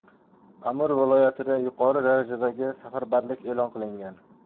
amur viloyatida yuqori darajadagi safarbarlik e'lon qilingan